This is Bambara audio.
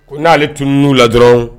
Ko n'ale tunun n'u la dɔrɔnw!